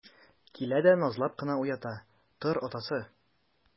Килә дә назлап кына уята: - Тор, атасы!